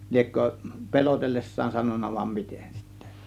liekö pelotellessaan sanonut vai miten sitten